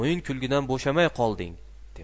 o'yin kulgidan bo'shamay qolding